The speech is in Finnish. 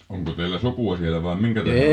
onko teillä sukua siellä vai minkä tähden